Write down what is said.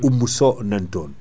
Oumou Sow nanton